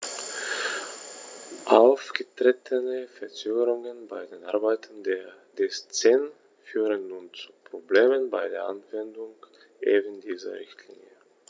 Aufgetretene Verzögerungen bei den Arbeiten des CEN führen nun zu Problemen bei der Anwendung eben dieser Richtlinie.